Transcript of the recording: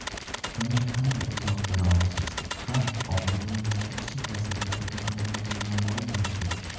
bunga qanday izoh bera olasiz ha oxirgi o'yinlarda kichik vaziyatlarda imkoniyatni qo'ldan boy berdik